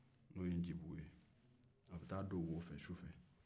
i bɛ taa don wo fɛ su fɛ